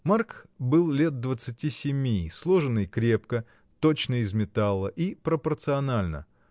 Марк был лет двадцати семи, сложенный крепко, точно из металла, и пропорционально.